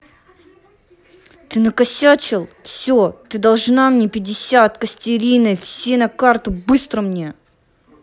ты накосячил все ты должна мне пятьдесят костериной все на карту быстро мне